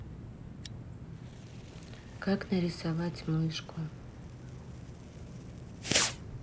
как нарисовать мышку